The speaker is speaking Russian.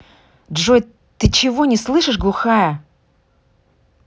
джой ты чего не слышишь глухая